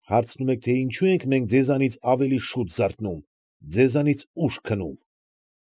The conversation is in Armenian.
Հարցնում եք, ինչո՞ւ ենք մենք ձեզանից ավելի շուտ զարթնում, ձեզանից ուշ քնում։